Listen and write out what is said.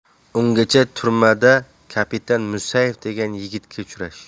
ungacha turmada kapitan musaev degan yigitga uchrash